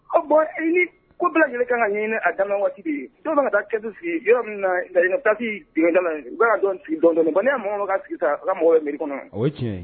O bɔn i ko bila lajɛlen ka ka ɲini a dama waati dɔw ka taa sigi yɔrɔ min na nkatasika b'a dɔn sigi dɔɔnin n nea mɔgɔ mɔgɔ ka sigi ta ala mɔgɔ ye mi kɔnɔ